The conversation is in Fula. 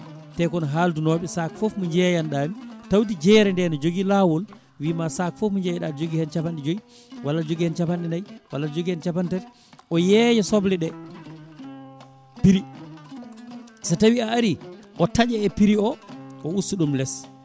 te kon haldunoɓe sac foof mo jeeyanɗami tawde jeere nde ne joogui lawol wiima sac foof mo jeyɗa aɗa jogui hen capanɗe jooyi walla aɗa jogui capanɗe naayi walla aɗa jogui hen capan tati o yeeya sobleɗe prix so tawi a ari o taaƴa e prix o o usta ɗum lees